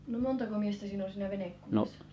no montako miestä siinä on siinä venekunnassa